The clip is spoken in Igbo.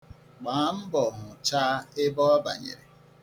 Gbaa mbọ huchaa ebe ọ banyerẹ.